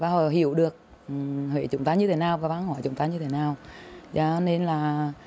và họ hiểu được huế chúng ta như thế nào và văn hóa chúng ta như thế nào cho nên là